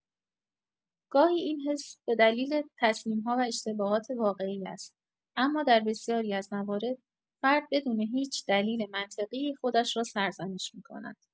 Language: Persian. گاهی این حس به‌دلیل تصمیم‌ها و اشتباهات واقعی است، اما در بسیاری از موارد، فرد بدون هیچ دلیل منطقی خودش را سرزنش می‌کند.